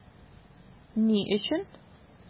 Ни өчен?